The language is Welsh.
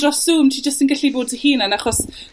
...dros Zoom ti jyst yn gallu bod dy hunan achos